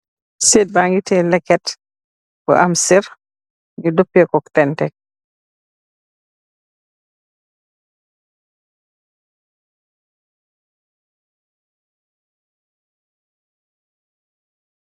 Sët bàngi tiye leket bu am ser, ñu dëpeko tenteñ.